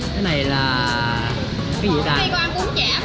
cái này là cái gì vậy ta